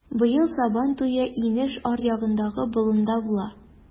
Быел Сабантуе инеш аръягындагы болында була.